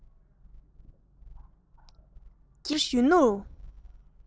སྐྱེ སེར གཞོན ནུར